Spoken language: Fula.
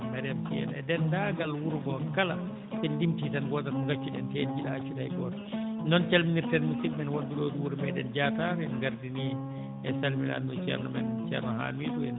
e Mariame * e denndaangal wuro ngoo kala so en limtii tan wodat mo ngaccu ɗen te en njiɗaa accude hay gooto noon calminirten musidɓe men won ɓe ɗoo ɗo wuro meeɗen Diatar en gardinii e salminaango e ceerno men ceerno Hamidou en